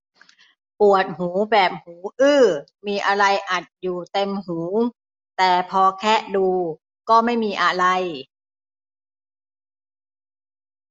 ปวดหูแบบหูอื้อมีอะไรอัดอยู่เต็มหูแต่พอแคะดูก็ไม่มีอะไร